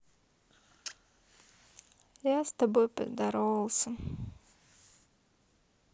я с тобой поздоровался